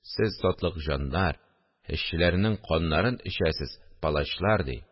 – сез – сатлык җаннар, эшчеләрнең каннарын эчәсез, палачлар!.. – ди